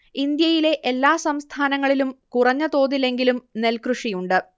ഇന്ത്യയിലെ എല്ലാ സംസ്ഥാനങ്ങളിലും കുറഞ്ഞ തോതിലെങ്കിലും നെൽക്കൃഷിയുണ്ട്